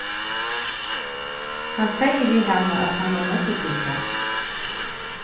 hann segði við hana at hann var noyddur til tað